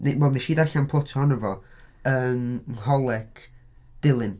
Wel, wnes i ddarllen pwt ohono fo yng Ngholeg Dulyn.